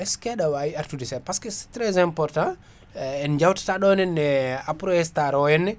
est ,ce ,que aɗa wawi artude seɗa parceque ,c'est trés important en jawtata ɗon henna Aprostar o henna